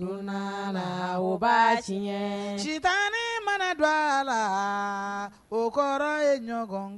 Don o baasi tiɲɛ sitan ne mana don a la o kɔrɔ ye ɲɔgɔn